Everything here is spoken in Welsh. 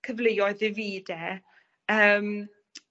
cyfleoedd i fi 'de yym